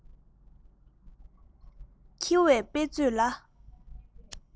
འཁྱིལ པའི དཔེ མཛོད ལ